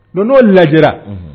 Don'o lajɛra